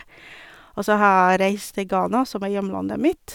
Og så har jeg reist til Ghana, som er hjemlandet mitt.